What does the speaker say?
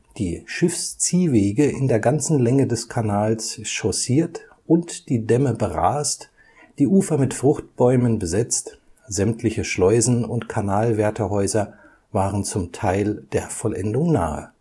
die Schiffsziehwege in der ganzen Länge des Kanals chaussirt und die Dämme berast, die Ufer mit Fruchtbäumen besetzt; sämtliche Schleußen - und Kanalwärterhäuser waren zum Theil der Vollendung nahe